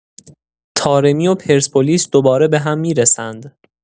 طارمی و پرسپولیس دوباره به هم می‌رسند.